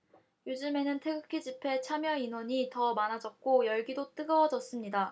요즘에는 태극기 집회 참여인원이 더 많아졌고 열기도 뜨거워졌습니다